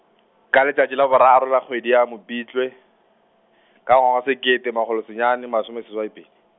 ka letšatši la boraro la kgwedi ya Mopitlo, ka ngwaga wa sekete makgolo senyane masome seswai pedi.